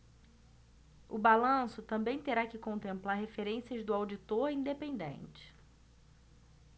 o balanço também terá que contemplar referências do auditor independente